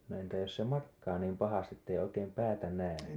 no entä jos se makaa niin pahasti että ei oikein päätä näe